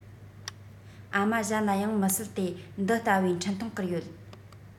ཨ མ གཞན ལ ཡང མི སྲིད དེ འདི ལྟ བུའི འཕྲིན ཐུང བསྐུར ཡོད